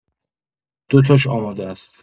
دو تاش آماده است.